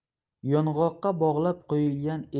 yong'oqqa bog'lab qo'yilgan